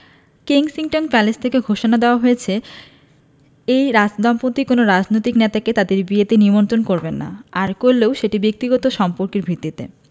Kensington Palace থেকে ঘোষণা দেওয়া হয়েছে এই রাজদম্পতি কোনো রাজনৈতিক নেতাকে তাঁদের বিয়েতে নিমন্ত্রণ করবেন না আর করলেও সেটি ব্যক্তিগত সম্পর্কের ভিত্তিতে